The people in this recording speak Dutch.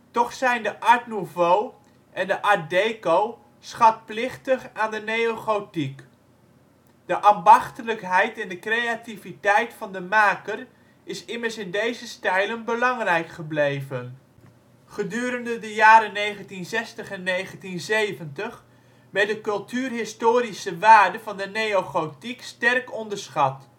Toch zijn de Art Nouveau en de art-déco schatplichtig aan de neogotiek: de ambachtelijkheid en de creativiteit van de maker is immers in deze stijlen belangrijk gebleven. Gedurende de jaren 1960 en 1970 werd de cultuurhistorische waarde van de neogotiek sterk onderschat